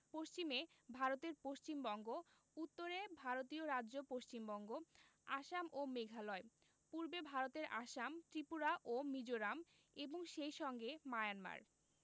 পশ্চিমে ভারতের পশ্চিমবঙ্গ উত্তরে ভারতীয় রাজ্য পশ্চিমবঙ্গ আসাম ও মেঘালয় পূর্বে ভারতের আসাম ত্রিপুরা ও মিজোরাম এবং সেই সঙ্গে মায়ানমার